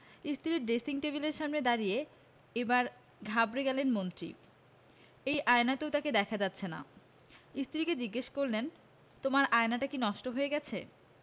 স্ত্রীর ড্রেসিং টেবিলের সামনে দাঁড়িয়ে এবার ঘাবড়ে গেলেন মন্ত্রী এই আয়নাতেও তাঁকে দেখা যাচ্ছে না স্ত্রীকে জিজ্ঞেস করলেন তোমার আয়নাটা কি নষ্ট হয়ে গেছে